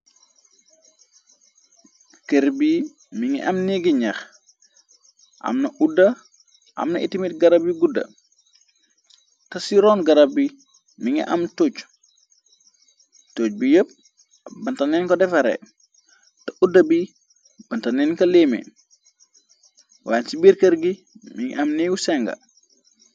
Kër bi mi ngi am neegi ñax, amna udda, amna itimit garab yu gudda, te ci ron garab bi mi ngi am tuj, tuj bi yépp banta leen ko defare, te udda bi banta leen ko leeme, waane ci biir kër gi mi ngi am neegu senga.